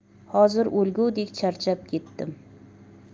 hozir o'lgudek charchab ketdim